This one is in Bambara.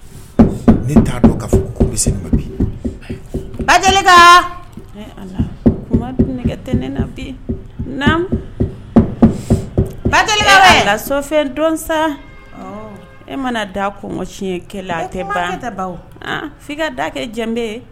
Ne t'a dɔn' fɔ bɛ ma bi ba kuma ne tɛ ne na bi ba kafɛnsa e mana da kɔ siɲɛkɛla a tɛ tɛ f' ka da kɛ jɛbe ye